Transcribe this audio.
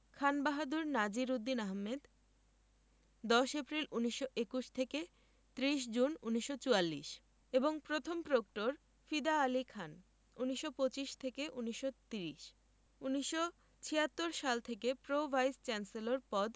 Khan Bahadur Nazir Uddin Ahmed ১০ April ১৯২১ থেকে ৩০ June ১৯৪৪ এবং প্রথম প্রক্টর ফিদা আলী খান ১৯২৫ থেকে ১৯৩০ ১৯৭৬ সাল থেকে প্রো ভাইস চ্যান্সেলর পদ